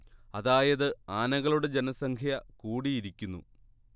അതായത് ആനകളുടെ ജനസംഖ്യ കൂടിയിരിക്കുന്നു